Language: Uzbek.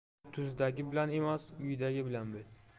tuzdagi bilan emas uydagi bilan bo'l